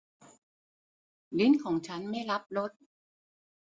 ลิ้นของฉันไม่รับรส